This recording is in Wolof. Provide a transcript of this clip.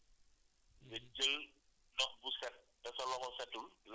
parce que ndaa bi ngay wax aussi su setee